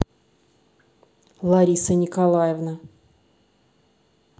лариса николаевна